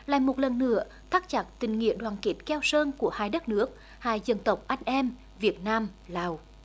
lại một lần nữa thắt chặt tình nghĩa đoàn kết keo sơn của hai đất nước hai dân tộc anh em việt nam lào